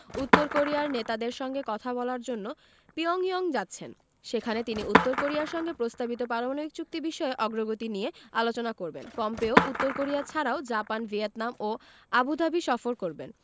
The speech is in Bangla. উত্তর কোরিয়ার নেতাদের সঙ্গে কথা বলার জন্য পিয়ংইয়ং যাচ্ছেন সেখানে তিনি উত্তর কোরিয়ার সঙ্গে প্রস্তাবিত পারমাণবিক চুক্তি বিষয়ে অগ্রগতি নিয়ে আলোচনা করবেন পম্পেও উত্তর কোরিয়া ছাড়াও জাপান ভিয়েতনাম ও আবুধাবি সফর করবেন